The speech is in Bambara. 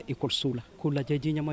Isow la k lajɛjɛ